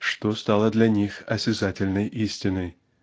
что стало для них осязательной истиной